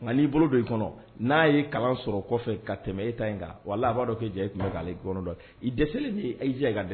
Nka'i bolo don kɔnɔ n'a ye kalan sɔrɔ kɔfɛ ka tɛmɛ e ta wa laban b'a dɔ kɛ jɛ tun k'dɔ i dɛsɛ ayi ka dɛ